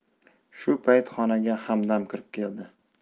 shu payt xonaga hamdam kirib keldi